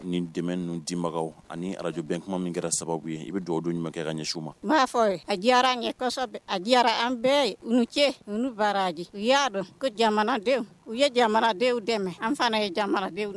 Ni dɛmɛ ninnu dimagaw ani Radio Bɛnkuma min kɛra sababu ye i be duwawu don jumɛn kɛ ka ɲɛsin u ma n b'a fɔ ye a diyara an bɛɛ ye u ni ce u ni baraaji u y'a dɔn ko jamanadenw u ye jamanadenw dɛmɛ an fana ye jamanadenw ye